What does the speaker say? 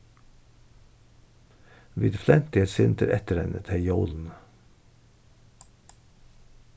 vit flentu eitt sindur eftir henni tey jólini